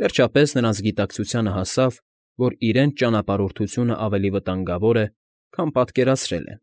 Վերջապես նրանց գիտակցությանը հասավ, որ իրենց ճանապրհորդությունն ավելի վտանգավոր է, քան պատկերացրել են